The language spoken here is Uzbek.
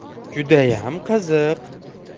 judayam qiziq